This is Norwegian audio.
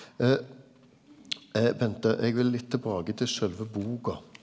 Bente eg vil litt tilbake til sjølve boka.